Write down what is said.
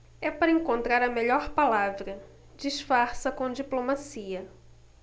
é para encontrar a melhor palavra disfarça com diplomacia